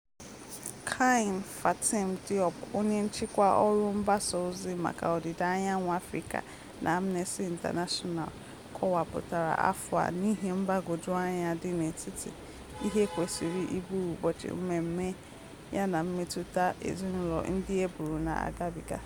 Kiné-Fatim Diop, onye nchịkwa ọrụ mgbasozi maka Ọdịda Anyanwụ Afịrịka na Amnesty International, kọwapụtara afọ a n'ihi mgbagwọju anya dị n'etiti ihe kwesịrị ịbụ ụbọchị mmemme yana mmetụta ezinụlọ ndị e gburu na-agabiga: